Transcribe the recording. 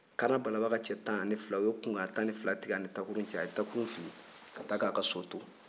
kaana balaba ka cɛ tan ni fila u ye kunkan ɲɛ tan ni fila tigɛ a ni takuru cɛ a ye takuru fili ka taa k'a ka so to